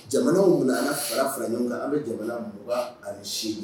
Jamanaw minnu a y'a fara fara ɲɔgɔn kan an bɛ jamana mɔgɔ ani si